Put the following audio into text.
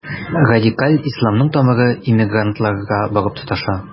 Радикаль исламның тамыры иммигрантларга барып тоташа.